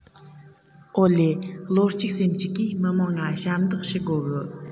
ཨོ ལེ བློ གཅིག སེམས གཅིག གིས མི དམངས ང ཞབས འདེགས ཞུ དགོ གི